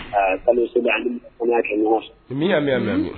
Aa kalo seli ko ɲuman an ka kɛ ɲɔgɔn fɛ . Ami